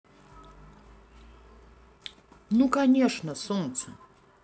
нуконечно столица